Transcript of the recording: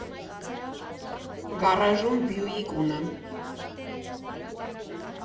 Գառաժում Բյուիկ ունեմ։